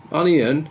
O'n i yn!